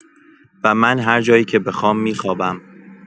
و من هرجایی که بخوام می‌خوابم.